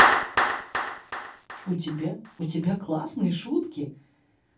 у тебя у тебя классные шутки